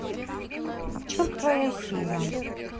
а в чем твоя сила